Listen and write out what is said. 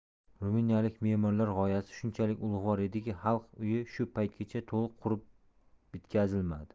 ruminiyalik me'morlar g'oyasi shunchalik ulug'vor ediki xalq uyi shu paytgacha to'liq qurib bitkazilmadi